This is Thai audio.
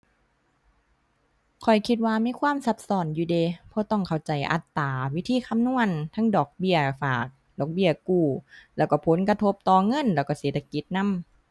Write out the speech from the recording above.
ข้อยคิดว่ามีความซับซ้อนอยู่เดะ เพราะต้องเข้าใจอัตรา วิธีคำนวณ ทั้งดอกเบี้ยฝาก ดอกเบี้ยกู้ แล้วก็ผลกระทบต่อเงินแล้วก็เศรษฐกิจนำ